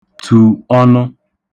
tù ọnụ